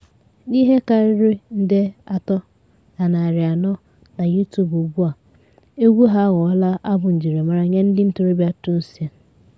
N'ihe karịrị nde 3.4 na YouTube ugbu a, egwu ahụ aghọla abụ njirimara nye ndị ntorobịa Tunisia.